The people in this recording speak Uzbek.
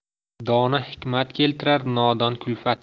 dono hikmat keltirar nodon kulfat